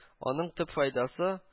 Аның төп файдасы